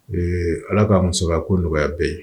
Ee ala k'a muso ko nɔgɔya bɛ ye